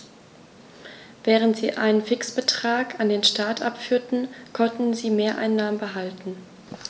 Während sie einen Fixbetrag an den Staat abführten, konnten sie Mehreinnahmen behalten.